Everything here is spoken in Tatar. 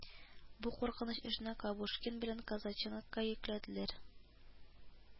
Бу куркыныч эшне Кабушкин белән Казаченокка йөкләделәр